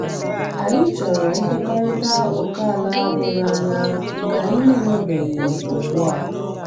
Anyị chọrọ nkwekọrịta okeala doro anya nke anyị na-enwebeghị ugbu a.